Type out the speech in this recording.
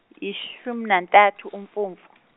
ishumi nanthatu uMfumfu.